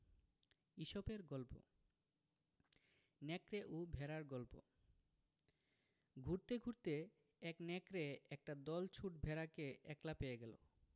ইসপের গল্প নেকড়ে ও ভেড়ার গল্প ঘুরতে ঘুরতে এক নেকড়ে একটা দলছুট ভেড়াকে একলা পেয়ে গেল